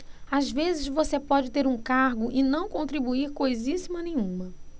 às vezes você pode ter um cargo e não contribuir coisíssima nenhuma